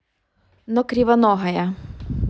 но кривоногая